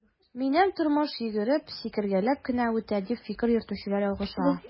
Минем тормыш йөгереп, сикергәләп кенә үтә, дип фикер йөртүчеләр ялгыша.